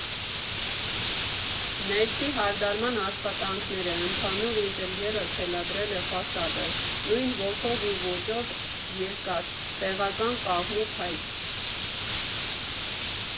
Ներսի հարդարման աշխատանքները, ընդհանուր ինտերերը թելադրել է ֆասադը՝ նույն ոգով ու ոճով՝ երկաթ, տեղական կաղնու փայտ։